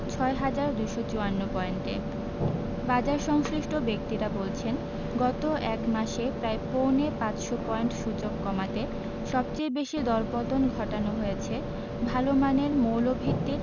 ৬ হাজার ২৫৪ পয়েন্টে বাজারসংশ্লিষ্ট ব্যক্তিরা বলছেন গত এক মাসে প্রায় পৌনে ৫০০ পয়েন্ট সূচক কমাতে সবচেয়ে বেশি দরপতন ঘটানো হয়েছে ভালো মানের মৌলভিত্তির